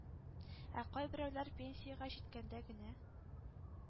Ә кайберәүләр пенсиягә җиткәндә генә